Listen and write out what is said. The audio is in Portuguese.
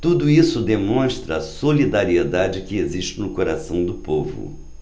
tudo isso demonstra a solidariedade que existe no coração do povo